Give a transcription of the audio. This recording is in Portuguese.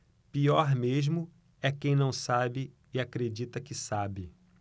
pior mesmo é quem não sabe e acredita que sabe